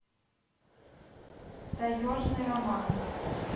таежный роман